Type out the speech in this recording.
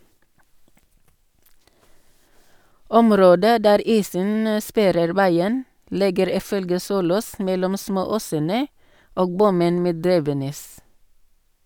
Området der isen sperrer veien ligger ifølge Solås mellom smååsene og bommen ved Drivenes.